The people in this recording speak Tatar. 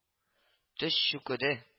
Төз чүкеде